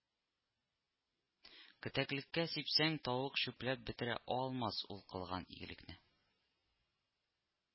Кетәклеккә сипсәң тавык чүпләп бетерә алмас ул кылган игелекне